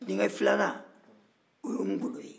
denkɛ filanan o ye ngolo ye